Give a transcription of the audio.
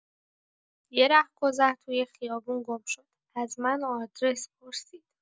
یه رهگذر توی خیابون گم شد، از من آدرس پرسید.